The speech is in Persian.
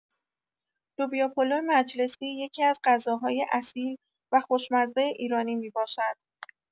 لوبیا پلو مجلسی یکی‌از غذاهای اصیل و خوشمزه ایرانی می‌باشد.